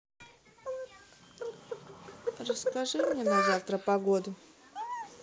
расскажи мне на завтра погоду